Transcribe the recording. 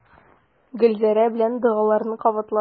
Гөлзәрә белгән догаларын кабатлады.